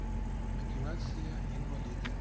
мотивация инвалиды